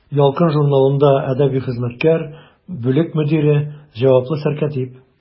«ялкын» журналында әдәби хезмәткәр, бүлек мөдире, җаваплы сәркәтиб.